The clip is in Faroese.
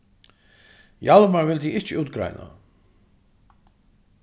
hjalmar vildi ikki útgreina